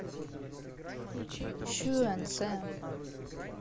sue and sam